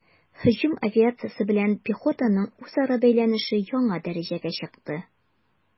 Һөҗүм авиациясе белән пехотаның үзара бәйләнеше яңа дәрәҗәгә чыкты.